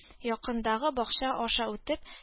Якындагы бакча аша үтеп